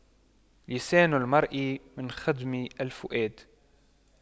لسان المرء من خدم الفؤاد